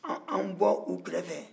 an bɔ u kɛrɛfɛ